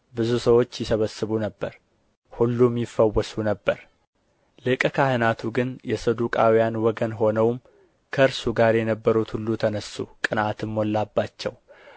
ብዙ ሰዎች ይሰበስቡ ነበር ሁሉም ይፈወሱ ነበር ሊቀ ካህናቱ ግን የሰዱቃውያን ወገን ሆነውም ከእርሱ ጋር የነበሩት ሁሉ ተነሡ ቅንዓትም ሞላባቸው